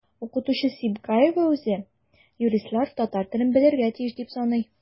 Укытучы Сибгаева үзе юристлар татар телен белергә тиеш дип саный.